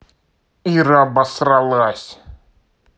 ира обосалась